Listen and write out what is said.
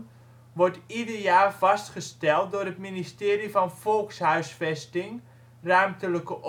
ieder jaar vastgesteld door het Ministerie van Volkshuisvesting, Ruimtelijke